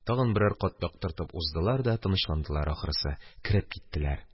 Тагын берәр кат яктыртып уздылар да тынычландылар, ахрысы, кереп киттеләр.